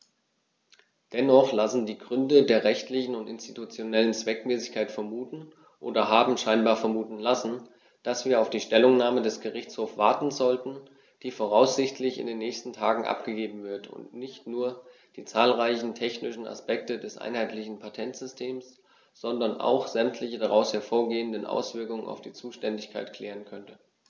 Dennoch lassen die Gründe der rechtlichen und institutionellen Zweckmäßigkeit vermuten, oder haben scheinbar vermuten lassen, dass wir auf die Stellungnahme des Gerichtshofs warten sollten, die voraussichtlich in den nächsten Tagen abgegeben wird und nicht nur die zahlreichen technischen Aspekte des einheitlichen Patentsystems, sondern auch sämtliche daraus hervorgehenden Auswirkungen auf die Zuständigkeit klären könnte.